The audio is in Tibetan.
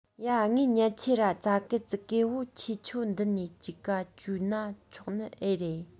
ཡ ངའི ཉལ ཆས ར ཙ གེ ཙི གེ བོ ཁྱེད ཆོ འདི ནས ཅིག ག བཅོའུ ན ཆོག ནི ཨེ རེད